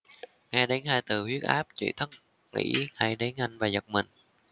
nghe đến hai từ huyết áp chị thoắt nghĩ ngay đến anh và giật mình